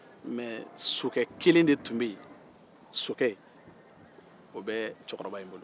mɛ sokɛ kelen de tun bɛ cɛkɔroba in bolo